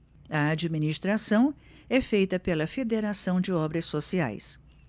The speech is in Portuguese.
a administração é feita pela fos federação de obras sociais